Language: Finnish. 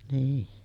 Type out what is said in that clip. niin